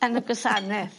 Yn y gwasaneth.